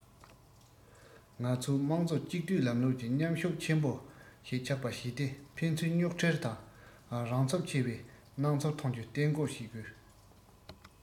ང ཚོས དམངས གཙོ གཅིག སྡུད ལམ ལུགས ཀྱི མཉམ ཤུགས ཆེན པོ ཞིག ཆགས པ བྱས ཏེ ཕན ཚུན རྙོག འཁྲིལ དང རང གྲོན ཚབས ཆེ བའི སྣང ཚུལ ཐོན རྒྱུ གཏན འགོག བྱེད དགོས